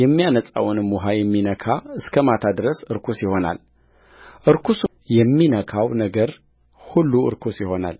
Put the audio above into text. የሚያነጻውንም ውኃ የሚነካ እስከ ማታ ድረስ ርኩስ ይሆናልርኩሱም የሚነካው ነገር ሁሉ ርኩስ ይሆናል